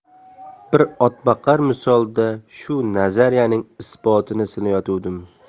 bir otboqar misolida shu nazariyaning isbotini sinayatuvdim